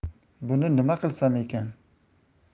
buni nima qilsam ekan